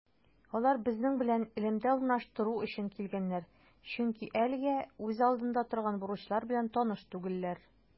Алар безнең белән элемтә урнаштыру өчен килгәннәр, чөнки әлегә үз алдында торган бурычлар белән таныш түгелләр.